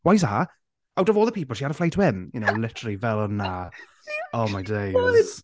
"Why's that? Out of all the people she had to fly to him." you know literally fel yna. Oh my days.